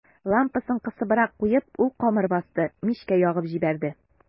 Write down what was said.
Лампасын кысыбрак куеп, ул камыр басты, мичкә ягып җибәрде.